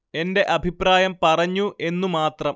എന്റെ അഭിപ്രായം പറഞ്ഞു എന്നു മാത്രം